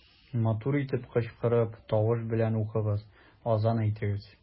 Матур итеп кычкырып, тавыш белән укыгыз, азан әйтегез.